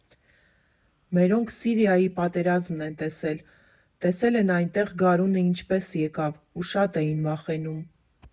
Մերոնք Սիրիայի պատերազմն են տեսել, տեսել են՝ այնտեղ գարունը ինչպես եկավ, ու շատ էին վախենում։